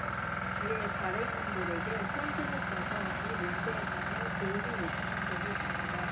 지의 발행인들에게 편지를 써서 이 문제에 관해 도움을 요청한 적이 있습니다